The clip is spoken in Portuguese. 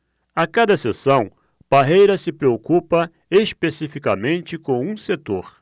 a cada sessão parreira se preocupa especificamente com um setor